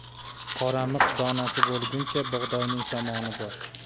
qoramiq donasi bo'lguncha bug'doyning somoni bo'l